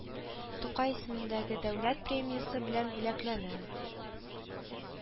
Тукай исемендәге Дәүләт премиясе белән бүләкләнә